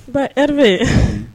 N hɛrɛme